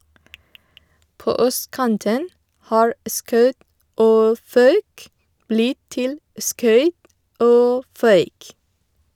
På østkanten har "skaut" og "fauk" blitt til "skøyt" og "føyk".